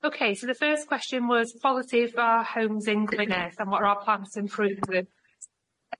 Ok so the first question was quality of our homes in Gwynedd and what are our plans to improve with?